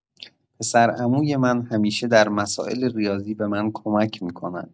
پسرعموی من همیشه در مسائل ریاضی به من کمک می‌کند.